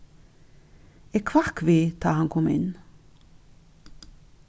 eg hvakk við tá hann kom inn